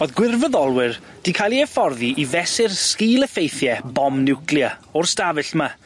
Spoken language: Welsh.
Oedd gwirfoddolwyr 'di ca'l 'i yfforddi i fesur sgil-effeithie bom niwclea o'r stafell 'my